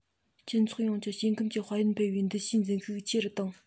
སྤྱི ཚོགས ཡོངས ཀྱི སྐྱེས ཁམས ཀྱི དཔལ ཡོན སྤེལ བའི འདུ ཤེས འཛིན ཤུགས ཆེ རུ བཏང